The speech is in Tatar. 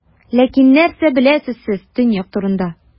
Ләкин нәрсә беләсез сез Төньяк турында?